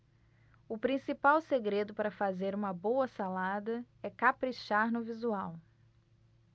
o principal segredo para fazer uma boa salada é caprichar no visual